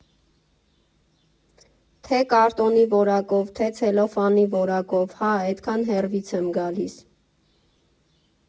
Թե կարտոնի որակով, թե ցելոֆանի որակով՝ հա, էդքան հեռվից եմ գալիս։